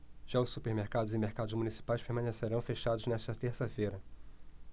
já os supermercados e mercados municipais permanecerão fechados nesta terça-feira